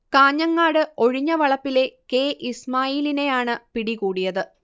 കാഞ്ഞങ്ങാട് ഒഴിഞ്ഞവളപ്പിലെ കെ ഇസ്മായിലിനെ യാണ് പിടികൂടിയത്